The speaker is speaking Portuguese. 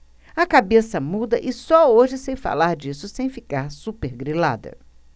a cabeça muda e só hoje sei falar disso sem ficar supergrilada